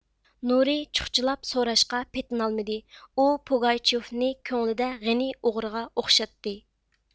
نۇرى چۇخچىلاپ سوراشقا پېتىنالمىدى ئۇ پوگاچيوفنى كۆڭلىدە غېنى ئوغرىغا ئوخشاتتى